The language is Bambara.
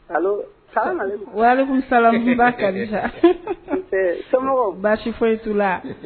Allo salamaleku , walekum salam n ba kadija, somɔgɔ dun? baasi foyi t'u la.